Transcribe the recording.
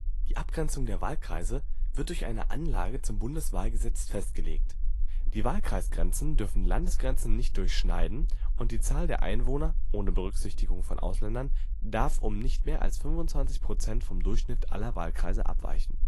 Die Abgrenzung der Wahlkreise wird durch eine Anlage zum Bundeswahlgesetz festgelegt. Die Wahlkreisgrenzen dürfen Landesgrenzen nicht durchschneiden und die Zahl der Einwohner (ohne Berücksichtigung von Ausländern) darf um nicht mehr als 25 % vom Durchschnitt aller Wahlkreise abweichen